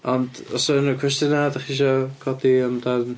Ond os 'na unrhyw cwestiynau, dach chi isio codi amdan?